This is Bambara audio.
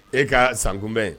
E ka san kunbɛn